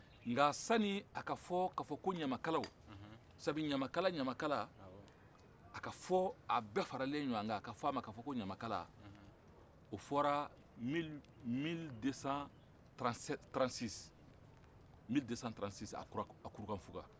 nka sanni a ka fɔ ka fɔ ko ɲamakalaw sabu ɲamakala ɲamakala a ka fɔ a bɛɛ faralen ɲɔgɔn kan a ka fɔ a ma ka fɔ ko ɲamakala o fɔra mille deux-cent trente-sept trente-six mille deux-cent trente-six a kouroukanfouka